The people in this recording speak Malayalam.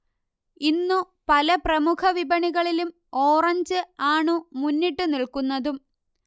ഇന്നു പല പ്രമുഖ വിപണികളിലും ഓറഞ്ച് ആണു മുന്നിട്ടുനിൽക്കുന്നതും